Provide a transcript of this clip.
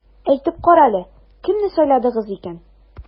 Әйтеп кара әле, кемне сайладыгыз икән?